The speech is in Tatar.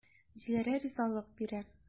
Диләрә ризалык бирә.